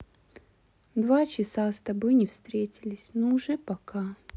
два часа с тобой не встретились но уже пока